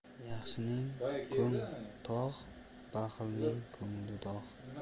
yaxshining ko'ngh tog' baxilning ko'ngli dog'